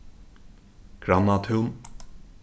grannatún